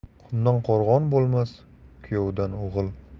qumdan qo'rg'on bo'lmas kuyovdan o'g'il